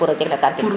pour o jeg na kantin ke